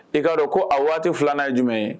I kaa dɔn ko a waati filanan ye jumɛn ye